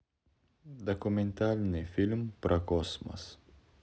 документальный фильм про космос